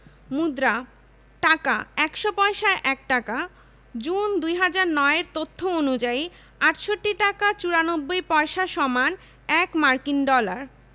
TV station সম্প্রচার কেন্দ্রঃ ঢাকা ও চট্টগ্রাম রিলে সেন্টার চট্টগ্রাম সিলেট খুলনা নাটোর ময়মনসিংহ রংপুর নোয়াখালী